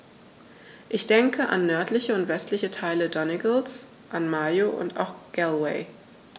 Ich denke an nördliche und westliche Teile Donegals, an Mayo, und auch Galway.